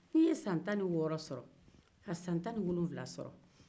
n'i ye san tanniwɔɔrɔ ka san tanniwolonwula sɔrɔ